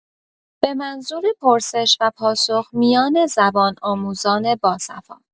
به منظور پرسش و پاسخ میان زبان آموزان باصفا